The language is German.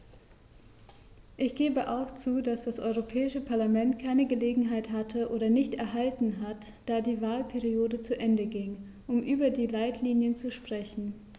Ich gebe auch zu, dass das Europäische Parlament keine Gelegenheit hatte - oder nicht erhalten hat, da die Wahlperiode zu Ende ging -, um über die Leitlinien zu sprechen.